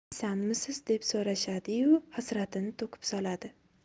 isanmisiz deb so'rashadi yu hasratini to'kib soladi